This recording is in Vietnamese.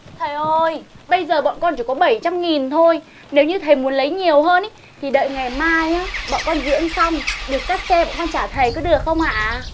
thầy ơi bây giờ bọn con chỉ có bảy trăm nghìn thôi nếu như thầy muốn lấy nhiều hơn ý thì đợi ngày mai á bọn con diễn xong được cát xê bọn con trả thầy có được không ạ